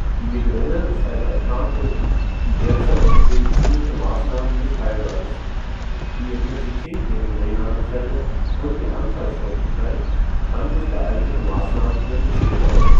Die Migräne ist eine Erkrankung, die derzeit durch medizinische Maßnahmen nicht heilbar ist. Die Intensität der Migräneanfälle und die Anfallshäufigkeit kann durch geeignete Maßnahmen reduziert werden